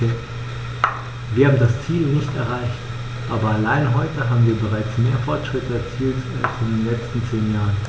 Wir haben das Ziel nicht erreicht, aber allein heute haben wir bereits mehr Fortschritte erzielt als in den letzten zehn Jahren.